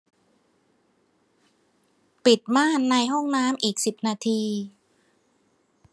ปิดม่านในห้องน้ำอีกสิบนาที